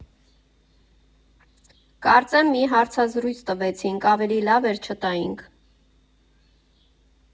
Կարծեմ մի հարցազրույց տվեցինք, ավելի լավ էր չտայինք։